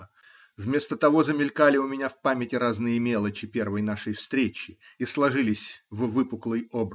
Вместо того замелькали у меня в памяти разные мелочи первой нашей встречи и сложились в выпуклый образ.